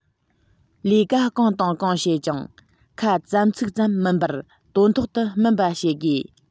ལས ཀ གང དང གང བྱེད ཀྱང ཁ ཙམ ཚིག ཙམ མིན པར དོན ཐོག ཏུ སྨིན པ བྱེད དགོས